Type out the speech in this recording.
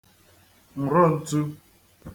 ǹron̄tū